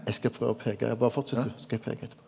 eg skal prøve å peika berre fortsett du skal eg peika etterpå.